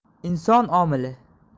inson omili